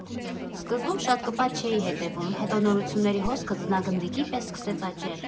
Սկզբում շատ կպած չէի հետևում, հետո նորությունների հոսքը ձնագնդիկի պես սկսեց աճել։